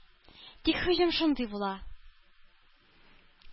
Тик “һөҗүм” шундый була